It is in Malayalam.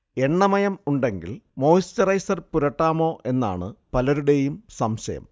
എണ്ണമയം ഉണ്ടെങ്കിൽ മോയിസ്ചറൈസർ പുരട്ടാമോ എന്നാണു പലരുടെയും സംശയം